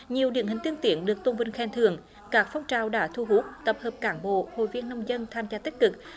nhiều điển hình tiên tiến được tôn vinh khen thưởng các phong trào đã thu hút tập hợp cán bộ hội viên nông dân tham gia tích cực